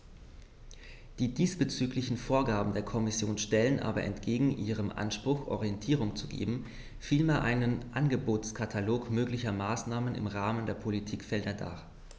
Die diesbezüglichen Vorgaben der Kommission stellen aber entgegen ihrem Anspruch, Orientierung zu geben, vielmehr einen Angebotskatalog möglicher Maßnahmen im Rahmen der Politikfelder dar.